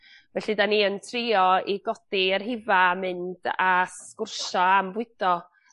Felly 'dan ni yn trio i godi y rhifa' a mynd a sgwrsio am fwydo